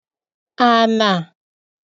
ànà